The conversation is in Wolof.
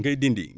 ngay dindi